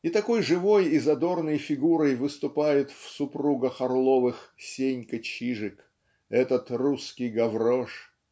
и такой живой и задорной фигурой выступает в "Супругах Орловых" Сенька Чижик этот русский Гаврош.